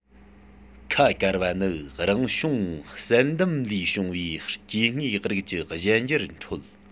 ཁ བཀར བ ནི རང བྱུང བསལ འདེམས ལས བྱུང བའི སྐྱེ དངོས རིགས ཀྱི གཞན འགྱུར ཁྲོད